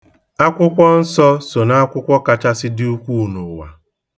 Akwụkwọ nsọ so n'akwụkwọ kachasi dị ukwuu n'ụwa.